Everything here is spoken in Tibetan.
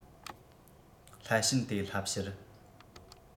སླད ཕྱིན དེ བསླབ བྱར